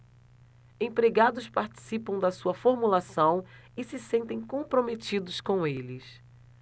empregados participam da sua formulação e se sentem comprometidos com eles